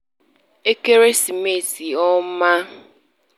Ekeresimesi ọma!